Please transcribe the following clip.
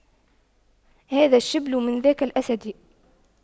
هذا الشبل من ذاك الأسد